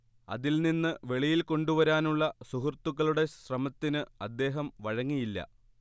അതിൽ നിന്ന് വെളിയിൽ കൊണ്ടുവരാനുള്ള സുഹൃത്തുക്കളുടെ ശ്രമത്തിന് അദ്ദേഹം വഴങ്ങിയില്ല